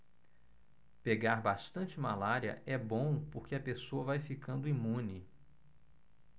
pegar bastante malária é bom porque a pessoa vai ficando imune